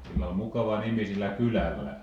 sillä on mukava nimi sillä kylällä